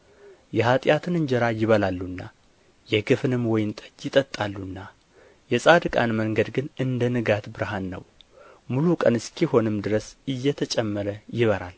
የኃጢአትን እንጀራ ይበላሉና የግፍንም ወይን ጠጅ ይጠጣሉና የጻድቃን መንገድ ግን እንደ ንጋት ብርሃን ነው ሙሉ ቀን እስኪሆንም ድረስ እየተጨመረ ይበራል